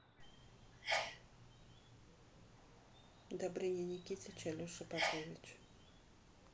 добрыня никитич алеша попович